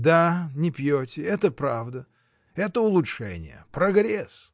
— Да, не пьете: это правда: это улучшение, прогресс!